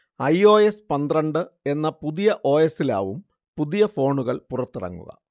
I. O. S പന്ത്രണ്ട് എന്ന പുതിയ ഓ. എസി ലാവും പുതിയ ഫോണുകൾ പുറത്തിറങ്ങുക